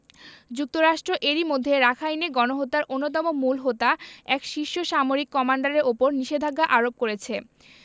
যুক্তরাষ্ট্র এরই মধ্যে রাখাইনে গণহত্যার অন্যতম মূল হোতা এক শীর্ষ সামরিক কমান্ডারের ওপর নিষেধাজ্ঞা আরোপ করেছে